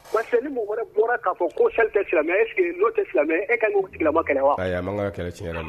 Parce ni mɔgɔ wɛrɛ bɔra k'a fɔ ko seli tɛ silamɛ e sigi n'o tɛ silamɛ e kaba kɛ wa ayi tiɲɛ